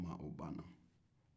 ma o banna